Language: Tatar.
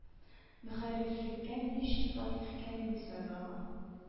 Мөхәррирлеккә ни өчен фатих кәрими сайланган